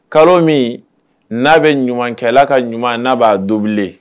Kalo min n'a bɛ ɲumankɛla ka ɲuman n'a b'a donbili